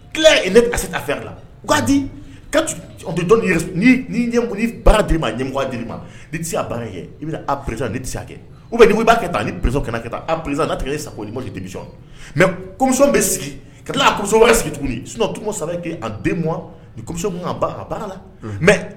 Ne se fɛ ladi baara di ma ɲɛ di ma tɛ se baara i bɛ pere tɛ a kɛ bɛ nin b'a kɛ taa ni kɛnɛ kɛ taa aeresa la tigɛ i sagokɔ ni ma dimisɔn mɛ bɛ sigi ka a kɔ sigi tuguni suntumamɔ saba kɛ a bɛ ni a baara la